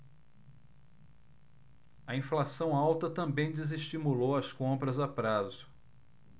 a inflação alta também desestimulou as compras a prazo